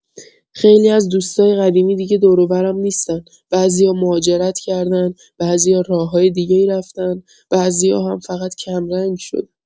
خیلی از دوستای قدیمی دیگه دور و برم نیستن، بعضیا مهاجرت کردن، بعضیا راه‌های دیگه‌ای رفتن، بعضیا هم فقط کم‌رنگ شدن.